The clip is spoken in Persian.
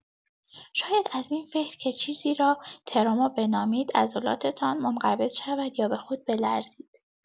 شاید از این فکر که چیزی را تروما بنامید عضلاتتان منقبض شود یا به خود بلرزید.